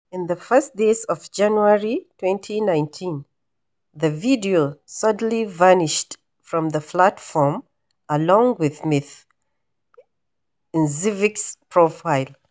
In the first days of January 2019, the video suddenly vanished from the platform along with Ms. Knežević's profile.